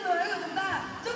từ